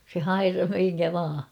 se hairasi minkä vain